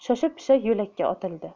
shoshapisha yo'lakka otildi